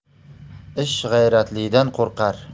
ish g'ayratlidan qo'rqar